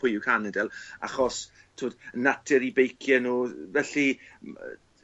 pwy yw Cannondale achos t'wod natur u beicie n'w yy felly ma' yy